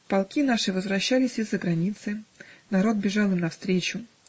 Полки наши возвращались из-за границы. Народ бежал им навстречу.